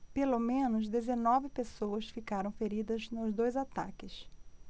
pelo menos dezenove pessoas ficaram feridas nos dois ataques